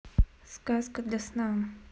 сказка для сна